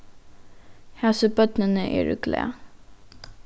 hasi børnini eru glað